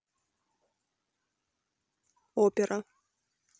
опера